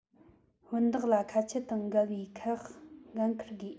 བུན བདག ལ ཁ ཆད དང འགལ བའི ཁག འགན འཁུར དགོས